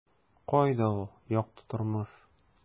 Кайда ул - якты тормыш? ..